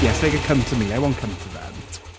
Yes they can come to me. I won't come to them.